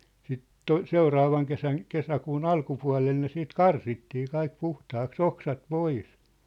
sitten - seuraavan kesän kesäkuun alkupuolella ne sitten karsittiin kaikki puhtaaksi oksat pois